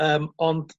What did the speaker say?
yym ond